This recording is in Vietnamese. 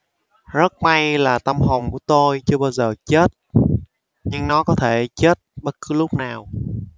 rất may là tâm hồn của tôi chưa bao giờ chết nhưng nó có thể chết bất cứ lúc nào